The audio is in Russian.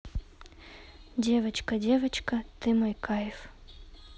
девочка девочка ты мой кайф